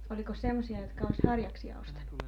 olikos semmoisia jotka olisi harjaksia ostanut